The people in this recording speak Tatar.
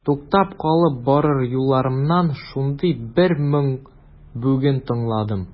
Туктап калып барыр юлларымнан шундый бер моң бүген тыңладым.